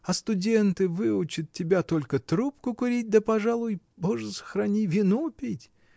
А студенты выучат тебя только трубку курить да, пожалуй, — Боже сохрани — вино пить.